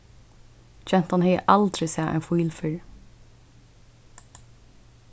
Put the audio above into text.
gentan hevði aldri sæð ein fíl fyrr